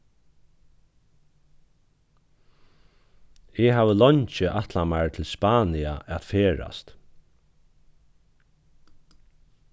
eg havi leingi ætlað mær til spania at ferðast